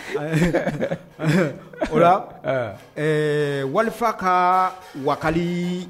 Ola walifa ka wali